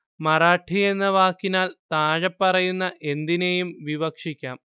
മറാഠി എന്ന വാക്കിനാൽ താഴെപ്പറയുന്ന എന്തിനേയും വിവക്ഷിക്കാം